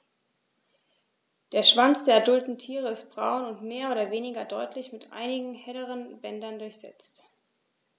Der Schwanz der adulten Tiere ist braun und mehr oder weniger deutlich mit einigen helleren Bändern durchsetzt.